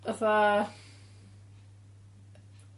fatha